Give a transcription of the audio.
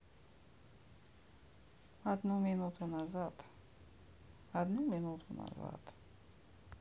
одну минуту назад